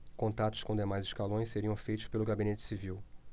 contatos com demais escalões seriam feitos pelo gabinete civil